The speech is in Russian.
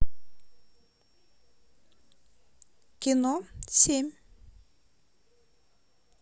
кино семь